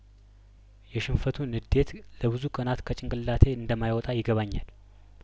የሽንፈቱንዴት ለብዙ ቀናት ከጭንቅላቴ እንደማይወጣ ይገባኛል